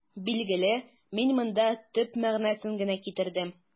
Билгеле, мин монда төп мәгънәсен генә китердем.